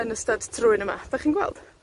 yn y styd trwyn yma, 'dych chi'n gweld?